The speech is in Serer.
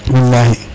Bilahi